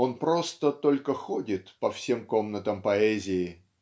он просто только ходит по всем комнатам поэзии.